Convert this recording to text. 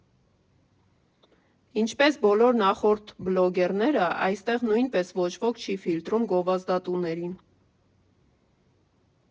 Ինչպես բոլոր նախորդ բլոգերները, այստեղ նույնպես ոչ ոք չի ֆիլտրում գովազդատուներին։